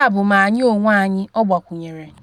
Yabụ ma anyị onwe anyị,” ọ gbakwunyere.